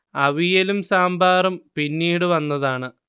അവിയലും സാമ്പാറും പിന്നീടു വന്നതാണ്